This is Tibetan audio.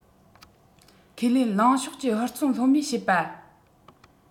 ཁས ལེན གླིང ཕྱོགས ཀྱིས ཧུར བརྩོན ལྷོད མེད བྱེད པ